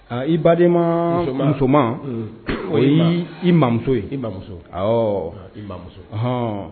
Aa i baden ma muso o i mamuso ye i iɔn